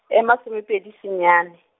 e masomepedi senyane.